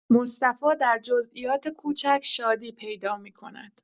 مصطفی در جزئیات کوچک شادی پیدا می‌کند.